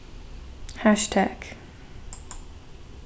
hashtag